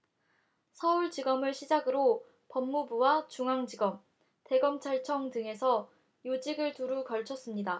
서울지검을 시작으로 법무부와 중앙지검 대검찰청 등에서 요직을 두루 걸쳤습니다